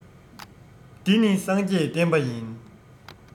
འདི ནི སངས རྒྱས བསྟན པ ཡིན